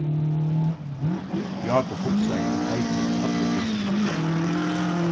jákup hugsaði um heidi alla tíðina